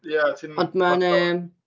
Ia, ti'n... Ond mae 'na...